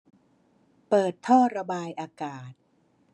เปิดท่อระบายอากาศ